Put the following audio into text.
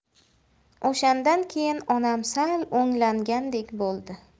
o'shandan keyin onam sal o'nglangandek bo'ldi